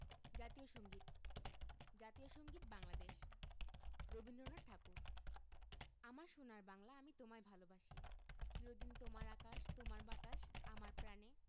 জাতীয় সংগীত জাতীয় সংগীত বাংলাদেশ রবীন্দ্রনাথ ঠাকুর আমার সোনার বাংলা আমি তোমায় ভালোবাসি চির দিন তোমার আকাশ তোমার বাতাস আমার প্রাণে